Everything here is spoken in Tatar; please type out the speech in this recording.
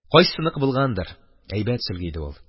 Кайсысыныкы булгандыр, әйбәт сөлге иде ул.